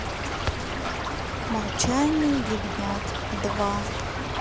молчание ягнят два